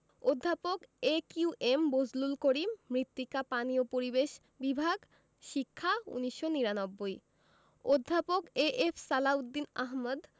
অধ্যাপক A Q M Bazlul Karim মৃত্তিকা পানি ও পরিবেশ বিভাগ শিক্ষা ১৯৯৯ অধ্যাপক এ.এফ সালাহ উদ্দিন আহমদ